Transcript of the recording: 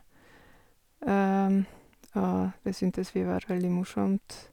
Og det syntes vi var veldig morsomt.